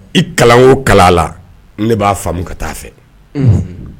I kalan o kala la ne b'a faamumu ka taa a fɛ